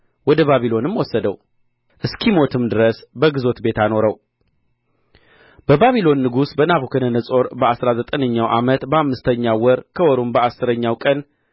ወደ ባቢሎንም ወሰደው እስኪሞትም ድረስ በግዞት ቤት አኖረው በባቢሎን ንጉሥ በናቡከደነፆር በአሥራ ዘጠነኛው ዓመት በአምስተኛው ወር ከወሩም በአሥረናው ቀን